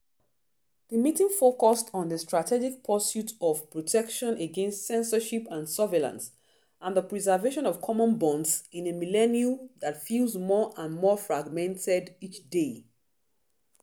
The meeting focused on the strategic pursuit of protection against censorship and surveillance, and the preservation of common bonds in a milieu that feels more and more fragmented each day.